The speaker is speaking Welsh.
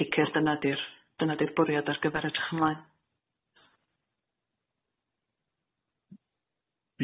sicir dyna di'r dyna di'r bwriad ar gyfer edrych ymlaen.